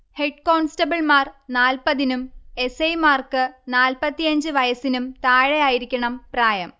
ഹെഡ്കോൺസ്റ്റബിൾമാർ നാല്പതിനും S. I. മാർക്ക് നാല്പത്തിയഞ്ചിനും വയസ്സിനും താഴെയായിരിക്കണം പ്രായം